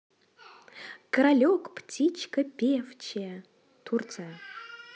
королек птичка певчая турция